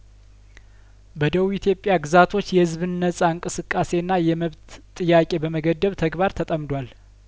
በደቡብ ኢትዮጵያ ግዛቶች የህዝብን ነጻ እንቅስቃሴና የመብት ጥያቄ በመገደብ ተግባር ተጠምዷል